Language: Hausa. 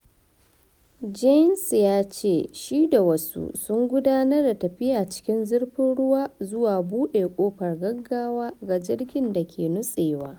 Jaynes ya ce shi da wasu sun gudanar da tafiya cikin zurfin ruwa zuwa bude kofar gaggawa ga jirgin dake nutsewa.